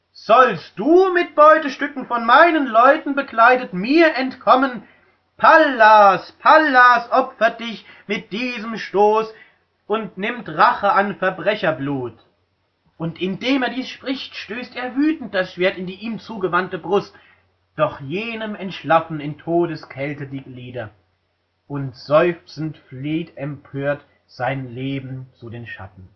Sollst du, mit Beutestücken von meinen Leuten bekleidet, mir entkommen? Pallas, Pallas opfert dich mit diesem Stoß und nimmt Rache an Verbrecherblut! “Und indem er dies spricht, stößt er wütend das Schwert in die ihm zugewandte Brust; doch jenem erschlaffen in Todeskälte die Glieder, und seufzend flieht empört sein Leben zu den Schatten